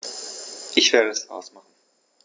Ich werde es ausmachen